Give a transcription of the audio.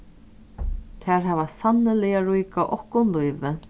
tær hava sanniliga ríkað okkum lívið